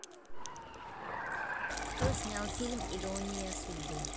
кто снял фильм ирония судьбы